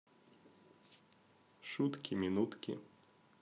шутки минутки